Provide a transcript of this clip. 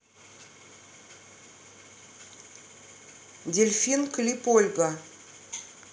дельфин клип ольга